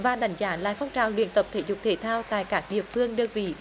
và đánh giá lại phong trào luyện tập thể dục thể thao tại các địa phương đơn vị